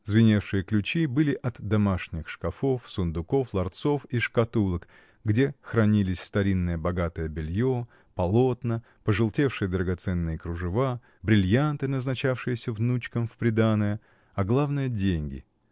Звеневшие ключи были от домашних шкапов, сундуков, ларцов и шкатулок, где хранились старинное богатое белье, полотна, пожелтевшие драгоценные кружева, брильянты, назначавшиеся внучкам в приданое, а главное — деньги.